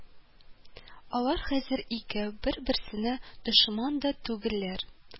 Алар хәзер икәү, бер-берсенә дошман да түгелләр